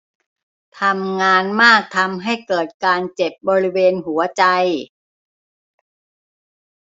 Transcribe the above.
ทำงานมากทำให้เกิดการเจ็บบริเวณหัวใจ